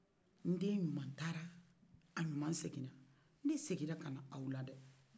n den ɲuman taara a ɲuman segina ne segina ka na aw la dɛ